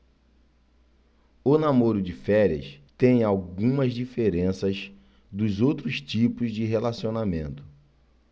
o namoro de férias tem algumas diferenças dos outros tipos de relacionamento